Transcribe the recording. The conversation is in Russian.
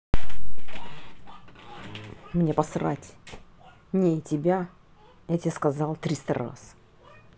мне посрать ней тебя я тебе сказал триста раз